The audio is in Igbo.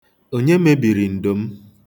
Onye mebiri ndo m?